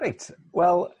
reit wel